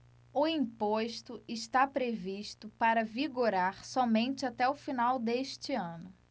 o imposto está previsto para vigorar somente até o final deste ano